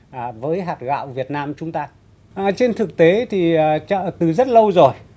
à với hạt gạo việt nam chúng ta à trên thực tế thì à chợ từ rất lâu rồi